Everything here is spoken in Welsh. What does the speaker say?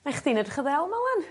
Ma' u' chdi'n edrych yn ddel 'ma 'wan.